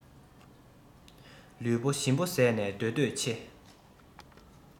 ལུས པོ ཞིམ པོ བཟས ནས སྡོད འདོད ཆེ